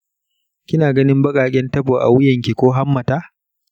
kina ganin baƙaƙen tabo a wuyanki ko hammata?